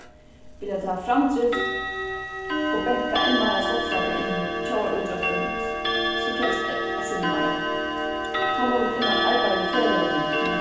vilja vit hava framdrift og banka enn meira stoltleika inn í tjóðarítróttin so krevst eitt sindur meira tá mugu vit inn at arbeiða við feløgunum men